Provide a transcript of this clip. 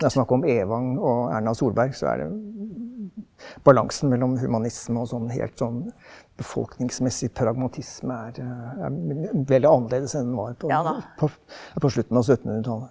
det er snakk om Evang og Erna Solberg, så er balansen mellom humanisme og sånn helt sånn befolkningsmessig pragmatisme, er er veldig annerledes enn den var på på på slutten av syttenhundretallet.